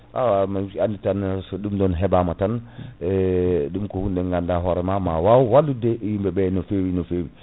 miɗi andi tan so ɗum ɗo heɓama tan ɗum ko hunde ganduɗa hoorema ma waw wallude yimɓeɓe no feewi no feewi